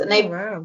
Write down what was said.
Do'n ni waw.